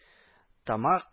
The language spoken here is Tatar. Тамак